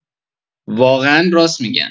واقعا راست می‌گن!